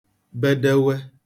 bedewe